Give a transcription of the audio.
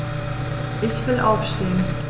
Ich will aufstehen.